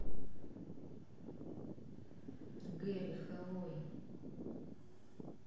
гэри хеллой